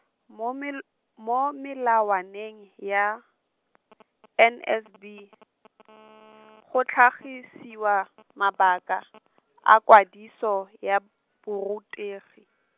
mo mel-, mo melawaneng ya, N S B, go tlhagisiwa, mabaka, a kwadiso ya borutegi.